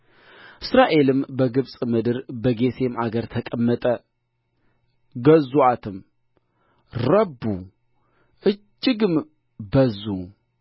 እስራኤልም በግብፅ ምድር በጌሤም አገር ተቀመጠ ገዙአትም ረቡ እጅግም በዙ